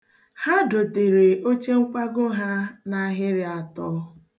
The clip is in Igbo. Ha dotere ochenkwago ha n'ahịri atọ.